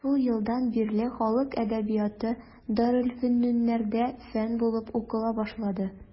Шул елдан бирле халык әдәбияты дарелфөнүннәрдә фән булып укыла башланды.